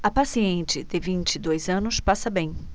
a paciente de vinte e dois anos passa bem